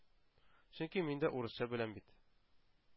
Чөнки мин дә урысча беләм бит.